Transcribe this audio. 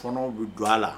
Fanaw bɛ don a la